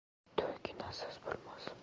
to'y ginasiz bo'lmas